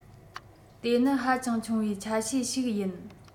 དེ ནི ཧ ཅང ཆུང བའི ཆ ཤས ཤིག ཡིན